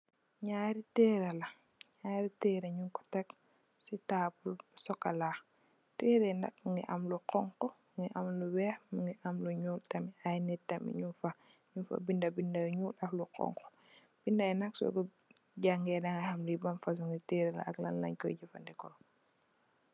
Nyari terella nyari terel nu ko tek si kaw table bu sokola. Teregi nak ngu gi am lu honko am lu weyh, am lu nul tamit ai nit ter mit mugifa. mugi am bideh yu ñuul ak yu honhu su ko jageh dega ham ban rele ak lan lan koi do yeh.